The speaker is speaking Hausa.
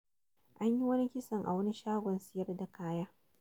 An yi wani kisan an wani shagon sayar da kaya.